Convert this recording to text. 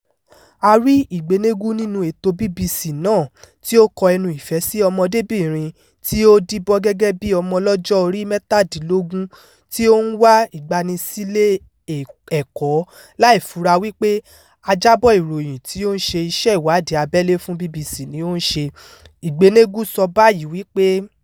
A rí Igbeneghu nínúu ètòo BBC náà tí ó kọ ẹnu ìfẹ́ sí ọmọdébìnrin tí ó díbọ́n gẹ́gẹ́ bí ọmọ ọlọ́jọ́ orí mẹ́tàdínlógún tí ó ń wà ìgbanisílé ẹ̀kọ́ láì fura wípé ajábọ̀ ìròyìn tí ó ń ṣe iṣẹ́ ìwádìí abẹ́lẹ̀ fún BBC ni ó ń ṣe. Igbeneghu sọ báyìí wípé: